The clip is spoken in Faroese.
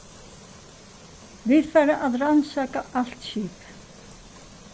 vit fara at rannsaka alt skipið